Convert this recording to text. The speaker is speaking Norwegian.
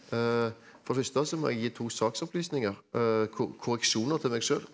for det første så må jeg gi to saksopplysninger korreksjoner til meg sjøl.